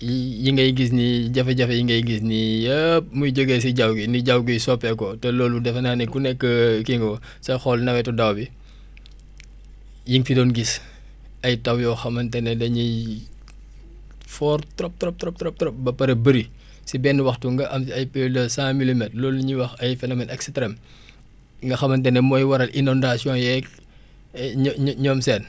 yi yi ngay gis nii jafe-jafe yi ngay gis nii yëpp muy jógee si jaww gi ni jaww giy soppeekoo te loolu defenaa ne ku nekk kii nga ko sooy xool nawetu daaw bi yi nga fi doon gis ay taw yoo xamante ne dañuy fort trop trop trop trop ba pere bëri si benn waxtu nga am ay plus de cent milimètres loolu ñuy wax ay phénomènes extrèmes nga xamante ne mooy waral innondation yeeg ñoo ñoo ñoom seen